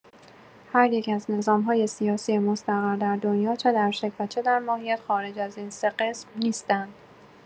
هریک از نظام‌های سیاسی مستقر در دنیا چه در شکل و چه در ماهیت، خارج از این سه قسم نیستند.